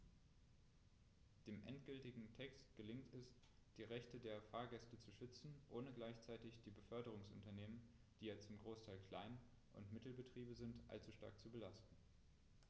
Dem endgültigen Text gelingt es, die Rechte der Fahrgäste zu schützen, ohne gleichzeitig die Beförderungsunternehmen - die ja zum Großteil Klein- und Mittelbetriebe sind - allzu stark zu belasten.